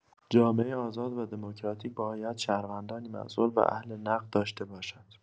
جامعه آزاد و دموکراتیک باید شهروندانی مسئول و اهل نقد داشته باشد.